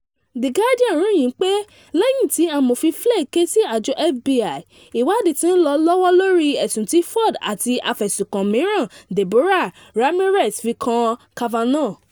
The Guardian ròyìn pé lẹ́yìn tí amòfin Flake ké sí àjọ FBI, ìwádìí ti ń lọ lọ́wọ́ lórí ẹ̀sùn tí Ford and afẹ̀sùkan mìíràn Deborah Ramírez fi kan Kavanaugh.